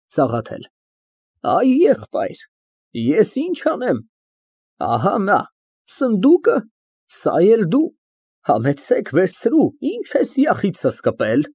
ՍԱՂԱԹԵԼ ֊ Այ եղբայր, ես ի՞նչ անեմ, ահա նա , սնդուկը, սա էլ դու, համեցեք, վերցրու, ի՞նչ ես յախիցս կպել։